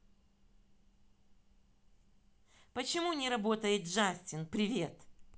почему не работает джастин привет